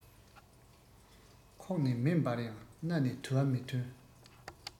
ཁོག ནས མེ འབར ཡང སྣ ནས དུ བ མི ཐོན